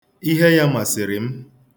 Ihe ya masịrị m.